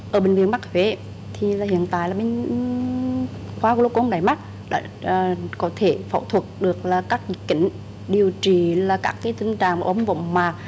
ở bệnh viện mắt huế thì là hiện tại là mình khoa gờ lô côm đáy mắt đã có thể phẫu thuật được là cắt dịch kính điều trị là các cái tình trạng ôm võng mạc